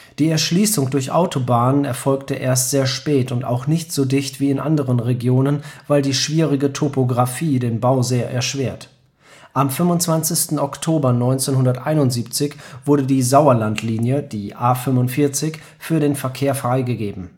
Die Erschließung durch Autobahnen erfolgte erst sehr spät und auch nicht so dicht wie in anderen Regionen, weil die schwierige Topographie den Bau sehr erschwert. Am 25. Oktober 1971 wurde die Sauerlandlinie (A45) für den Verkehr freigegeben